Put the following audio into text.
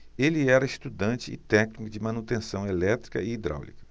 ele era estudante e técnico de manutenção elétrica e hidráulica